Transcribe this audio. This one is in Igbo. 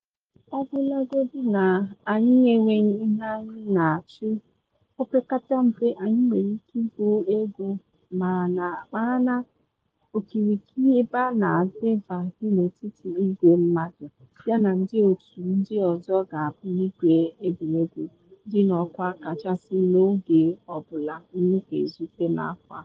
“Ọbụlagodi na anyị enweghi ihe anyị na achụ, opekata mpe anyị nwere ike igwu egwu mara na okirikiri ebe a na Denver dị n’etiti igwe mmadụ yana ndị otu ndị ọzọ ga-abụ igwu egwuregwu dị n’ọkwa kachasị n’oge ọ bụla m ga-ezute n’afọ a.